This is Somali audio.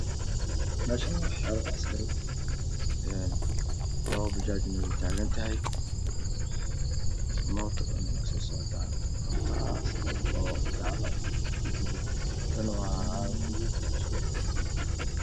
Meshan waa xeep askari lapa bajaana wey taagan tahy mootana wey kasoosoctaa hortaaz jaalo iyo gaduud tana waa guduud isku jiro